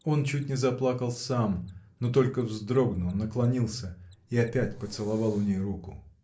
Он чуть не заплакал сам, но только вздрогнул, наклонился и опять поцеловал у ней руку.